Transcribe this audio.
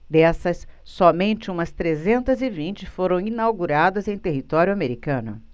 dessas somente umas trezentas e vinte foram inauguradas em território americano